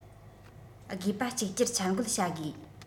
དགོས པ གཅིག གྱུར འཆར འགོད བྱ དགོས